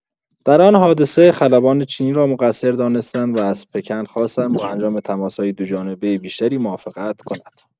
در آن حادثه، خلبان چینی را مقصر دانستند و از پکن خواستند با انجام تماس‌های دوجانبه بیشتری موافقت کند.